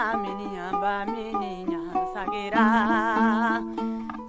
miniyan miniyan sɛgira